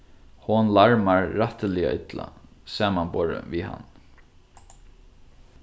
hon larmar rættiliga illa samanborið við hann